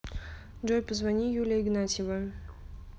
джой позвони юлия игнатьевна